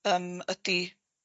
yym ydi